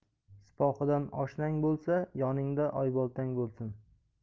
sipohidan oshnang bo'lsa yoningda oyboltang bo'lsin